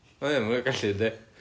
o ia ma'n nhw'n gallu yndi